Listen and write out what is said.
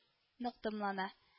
Нык дымлана